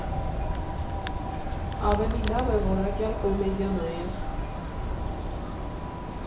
Ավելի լավ է՝ որակյալ կոմեդիա նայես։